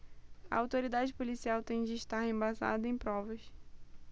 a autoridade policial tem de estar embasada em provas